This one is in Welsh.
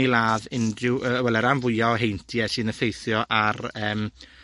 i ladd unryw, yy, wel y ran fwya o heintie sy'n effeithio ar yym,